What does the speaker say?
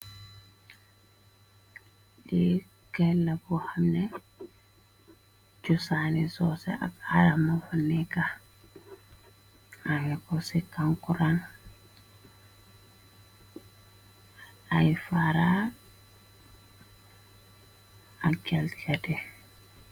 Li kena ku xamne cxusani sose ak aya mofa neka aya kosi kankuran ay fara ak jelkati.